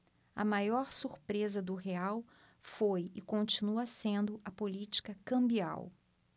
a maior surpresa do real foi e continua sendo a política cambial